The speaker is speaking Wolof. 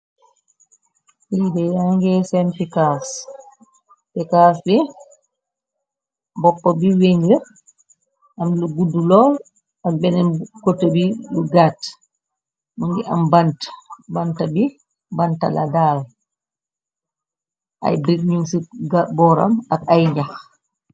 Liide yangee seen pycas te caas bi bopp bi weng am lu guddu lool ak benneen cote bi lu gaat më ngi am banta bi bantaladaal ay brig ñuñ ci booram ak ay njax.